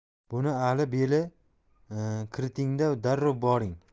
buni alli belli kiritingda darrov boring